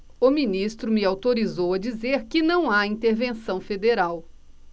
o ministro me autorizou a dizer que não há intervenção federal